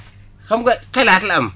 xam nga xelaat la am